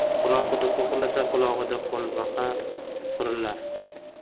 qulon quduqqa qulasa qulog'ida quibaqa qurillar